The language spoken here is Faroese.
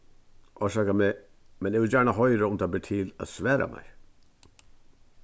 orsaka meg men eg vil gjarna hoyra um tað ber til at svara mær